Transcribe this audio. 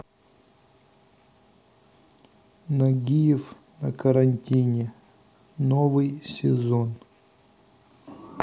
нагиев на карантине новый сезон